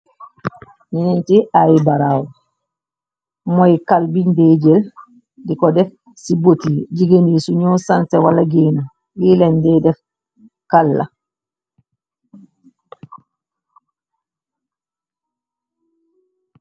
Nenan ci ay baraw, mooy kal bi ndee jël di ko def ci buut yi. Jigéni su ñoo sanseh wala géena leen dee def, kal la.